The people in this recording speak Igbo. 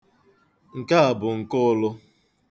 Nke a bụ nke ụlụ.